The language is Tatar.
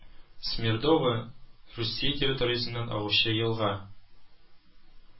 Смердова Русия территориясеннән агучы елга